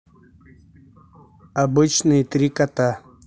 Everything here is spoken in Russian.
обычные три кота